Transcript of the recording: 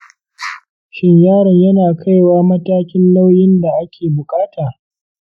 shin yaron yana kaiwa matakin nauyin da ake bukata?